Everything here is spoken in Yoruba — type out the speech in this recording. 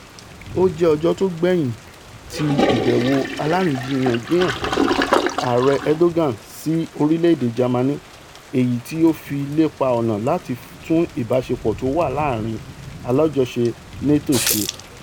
Ó jẹ́ ọjọ tó gbẹ̀yìn ti ìbẹ̀wò aláàríyànjiyàn Aàrẹ Erdogan sí orílẹ̀-èdè Jamani - èyití ó fi lépa ọ̀nà láti tún ìbáṣepọ̀ tówà láàrin alájọṣe NATO ṣe.